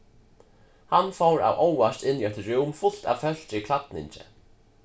hann fór av óvart inn í eitt rúm fult av fólki í klædningi